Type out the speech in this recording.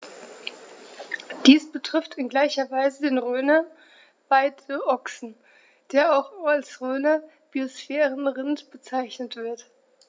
Dies betrifft in gleicher Weise den Rhöner Weideochsen, der auch als Rhöner Biosphärenrind bezeichnet wird.